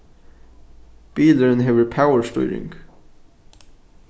bilurin hevur powerstýring